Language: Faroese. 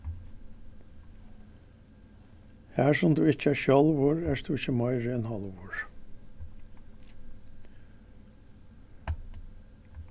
har sum tú ert ikki sjálvur ert tú ikki meiri enn hálvur